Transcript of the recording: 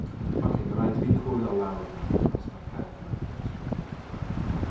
ok, mae raid i fi cwlio lawr nawr achos ma'r cerdd yma gyda tôn hollol gwahanol.